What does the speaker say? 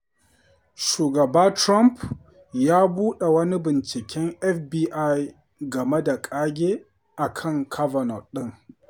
Shugaba Trump ya buɗe wani binciken FBI game da ƙage a kan Kavanaugh ɗin.